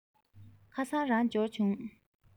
ཁ སང རང འབྱོར བྱུང